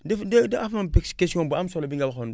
da fa da fa am question bu am solo bi nga waxoon